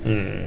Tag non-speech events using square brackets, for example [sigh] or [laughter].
[hesitation] [hesitation]